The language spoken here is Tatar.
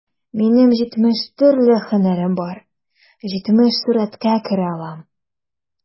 Минем җитмеш төрле һөнәрем бар, җитмеш сурәткә керә алам...